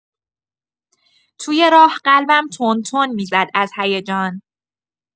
توی راه قلبم تند تند می‌زد از هیجان.